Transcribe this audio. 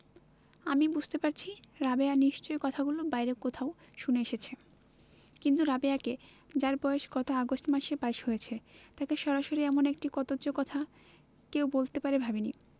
আমি বুঝতে পারছি রাবেয়া নিশ্চয়ই কথাগুলি বাইরে কোথাও শুনে এসেছে কিন্তু রাবেয়াকে যার বয়স গত আগস্ট মাসে বাইশ হয়েছে তাকে সরাসরি এমন একটি কদৰ্য কথা কেউ বলতে পারে ভাবিনি